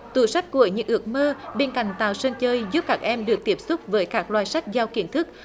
tủ sách của những ước mơ bên cạnh tạo sân chơi giúp các em được tiếp xúc với các loại sách gieo kiến thức